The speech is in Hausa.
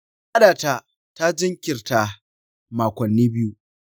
al’adata ta jinkirta makonni biyu.